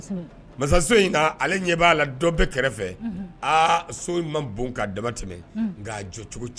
Masa ale ɲɛ b'a la dɔ bɛ kɛrɛfɛ so ma bon da tɛmɛ jo cogo cɛ